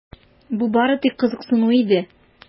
Бу бары тик кызыксыну иде.